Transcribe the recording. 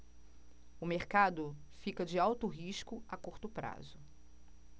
o mercado fica de alto risco a curto prazo